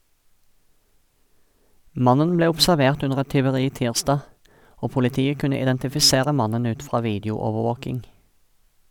Mannen ble observert under et tyveri tirsdag og politiet kunne identifisere mannen ut fra videoovervåking.